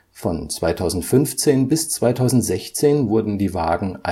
Von 2015 bis 2016 wurden die Wagen